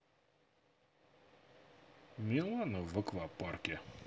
милана в аквапарке